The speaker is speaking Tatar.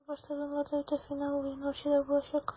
Алар башта зоналарда үтә, финал уен Арчада булачак.